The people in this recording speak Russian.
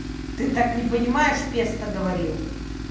ты так не понимаешь песто говорил